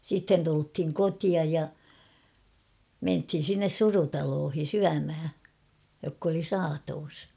sitten tultiin kotiin ja mentiin sinne surutaloon syömään jotka oli saatossa